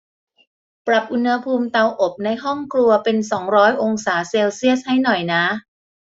ปรับอุณหภูมิเตาอบในห้องครัวเป็นสองร้อยองศาเซลเซียสให้หน่อยนะ